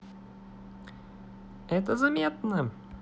это заметно